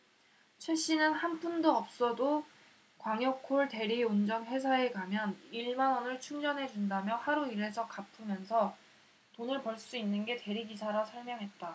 최씨는 한 푼도 없어도 광역콜 대리운전 회사에 가면 일 만원을 충전해준다며 하루 일해서 갚으면서 돈을 벌 수 있는 게 대리기사라 설명했다